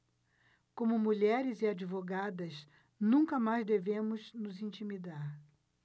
como mulheres e advogadas nunca mais devemos nos intimidar